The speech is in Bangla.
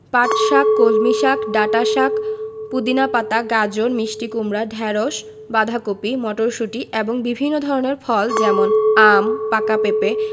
পাটশাক কলমিশাক ডাঁটাশাক পুদিনা পাতা গাজর মিষ্টি কুমড়া ঢেঁড়স বাঁধাকপি মটরশুঁটি এবং বিভিন্ন ধরনের ফল যেমন আম পাকা পেঁপে